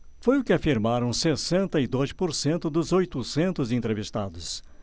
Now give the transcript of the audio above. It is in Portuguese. foi o que afirmaram sessenta e dois por cento dos oitocentos entrevistados